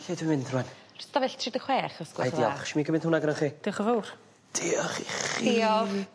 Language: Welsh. Le dwi'n mynd rŵan? Stafell tri de' chwech os gwelch y' dda. Ideal. Iso mi gymyd hwnna gynnoch chi. Dioch y' fowr. Diolch i chi. Diolch.